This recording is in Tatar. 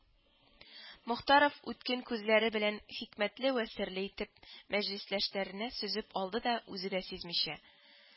Мохтаров үткен күзләре белән хикмәтле вә серле итеп мәҗлестәшләренә сөзеп алды да үзе дә сизмичә: